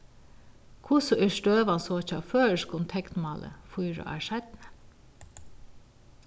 hvussu er støðan so hjá føroyskum teknmáli fýra ár seinni